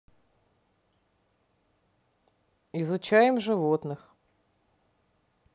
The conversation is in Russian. изучаем животных